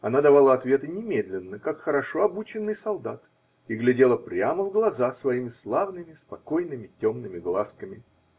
она давала ответы немедленно, как хорошо обученный солдат, и глядела прямо в глаза своими славными, спокойными темными глазками.